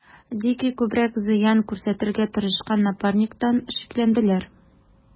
Дикий күбрәк зыян күрсәтергә тырышкан Напарниктан шикләнделәр.